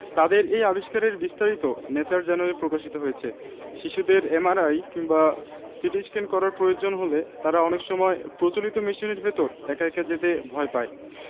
তাদের এই আবিষ্কারের বিস্তারিত ন্যাচার জার্নালে প্রকাশিত হয়েছে শিশুদের এমআরআই কিংবা সিটিস্ক্যান করার প্রয়োজন হলে তারা অনেক সময় প্রচলিত মেশিনের ভেতর একা একা যেতে ভয় পায়